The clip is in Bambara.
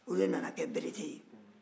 o de nana kɛ berete ye